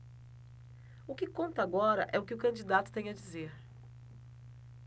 o que conta agora é o que o candidato tem a dizer